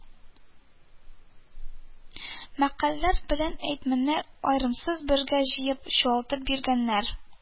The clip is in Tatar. Мәкальләр белән әйтемнәр аермасыз бергә җыелып, чуалтып бирелгәннәр